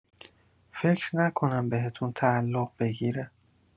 فکر نکنم بهتون تعلق بگیره